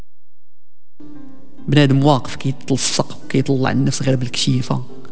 من الموافق يطق كيف يصير فيك شيء